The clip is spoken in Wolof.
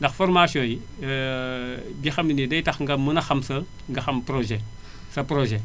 ndax formations yi yi nga xam ne ni day tax nga mën a xam sa nga xam projet sa projet